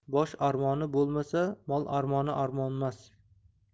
bosh armoni bo'lmasa mol armoai armonmas